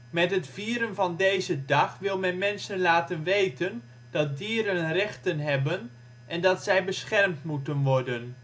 Met het vieren van deze dag wil men mensen laten weten dat dieren rechten hebben en dat zij beschermd moeten worden